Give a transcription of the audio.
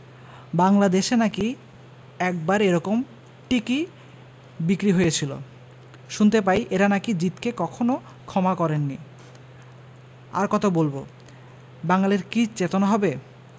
বাঙলা দেশে নাকি একবার এরকম টিকি বিক্রি হয়েছিল শুনতে পাই এঁরা নাকি জিদকে কখনো ক্ষমা করেন নি আর কত বলব বাঙালীর কি চেতনা হবে